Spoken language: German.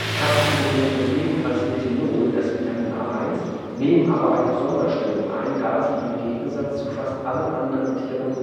Katzen benötigen ebenfalls Retinol (oder Vitamin A1), nehmen aber eine Sonderstellung ein, da sie im Gegensatz zu fast allen anderen Tieren